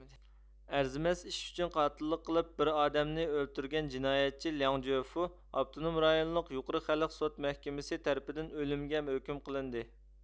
ئەرزىمەس ئىش ئۈچۈن قاتىللىق قىلىپ بىر ئادەمنى ئۆلتۈرگەن جىنايەتچى لياڭ جۆفۇ ئاپتونوم رايونلۇق يۇقىرى خەلق سوت مەھكىمىسى تەرىپىدىن ئۆلۈمگە ھۆكۈم قىلىندى